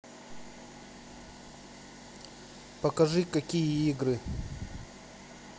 покажи какие игры